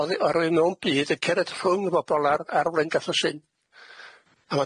Oddi o'r un mewn byd yn cered rhwng y bobol ar ar Wlaen Gathelsin.